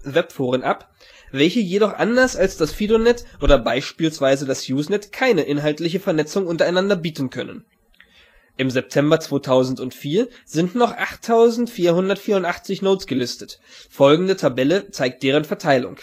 Webforen ab, welche jedoch anders als das FidoNet oder beispielsweise das Usenet keine inhaltliche Vernetzung untereinander bieten können. Im September 2004 sind noch 8484 Nodes gelistet, folgende Tabelle zeigt deren Verteilung